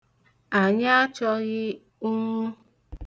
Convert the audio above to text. Anyị achọghị ụnwụ.